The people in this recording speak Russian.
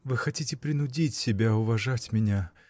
— Вы хотите принудить себя уважать меня.